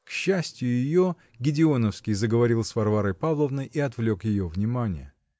К счастью ее, Гедеоновский заговорил с Варварой Павловной и отвлек ее внимание.